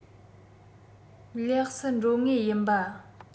ལེགས སུ འགྲོ ངེས ཡིན པ